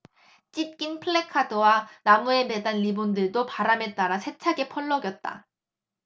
찢긴 플래카드들과 나무에 매단 리본들도 바람 따라 세차게 펄럭였다